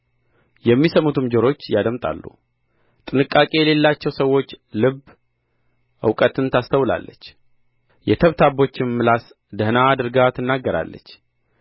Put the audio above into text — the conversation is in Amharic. የሚሰሙትም ጆሮች ያደምጣሉ ጥንቃቄ የሌላቸው ሰዎች ልብ እውቀትን ታስተውላለች የተብታቦችም ምላስ ደኅና አድርጋ ትናገራለች